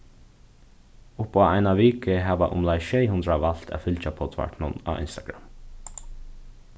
upp á eina viku hava umleið sjey hundrað valt at fylgja poddvarpinum á instagram